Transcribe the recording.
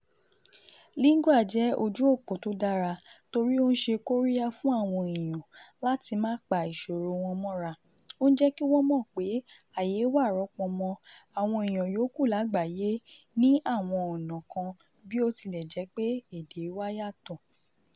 Lingua jẹ́ ojú òpó tó dàra torí ó ń ṣe kóríyá fún àwọn èèyàn láti má pa ìṣòro wọn mọ́ra, ó ń jẹ́ kí wọ́n mọ̀ pé ayé wa rọ̀ pọ̀ mọ́ àwọn èèyàn yókù lágbàáyé ní àwọn ọ̀na kan bí ó tilẹ̀ jẹ́ pé èdè wá yàtọ̀.